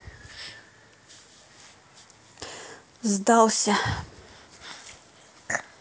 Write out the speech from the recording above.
сдался